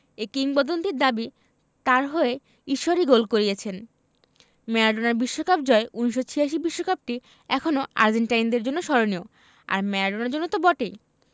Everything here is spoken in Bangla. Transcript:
এই কিংবদন্তির দাবি তাঁর হয়ে ঈশ্বরই গোল করিয়েছেন ম্যারাডোনার বিশ্বকাপ জয় ১৯৮৬ বিশ্বকাপটি এখনো আর্জেন্টাইনদের জন্য স্মরণীয় আর ম্যারাডোনার জন্য তো বটেই